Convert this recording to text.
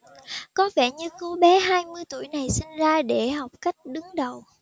có vẻ như cô bé hai mươi tuổi này sinh ra là để học cách đứng đầu